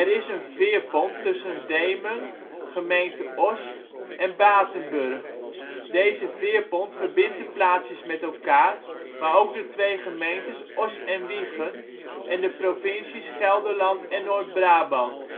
is een veerpont tussen Demen (gemeente Oss) en Batenburg. Deze veerpont verbindt de plaatsjes met elkaar, maar ook de twee gemeentes Oss en Wijchen en de provincies Gelderland en Noord-Brabant